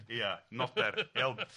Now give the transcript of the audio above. Ia, noder, iawn.